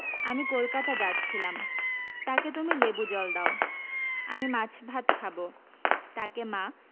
আমি কলকাতা যাচ্ছিলাম তাকে তুমি লেবু জল দাও আমি মাছ ভাত খাবো তাকে মা